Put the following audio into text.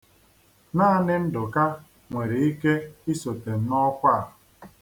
Naanị Ndụka nwere ike isote m n'ọkwa a.